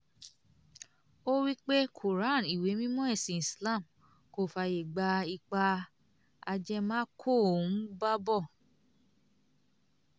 Ó wí pé, Quran, ìwé mímọ́ ẹ̀sìn Islam, kò fààyè gba ipa ajẹmákọ-ń-bábo.